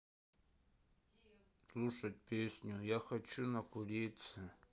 слушать песню я хочу накуриться